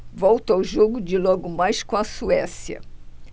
volto ao jogo de logo mais com a suécia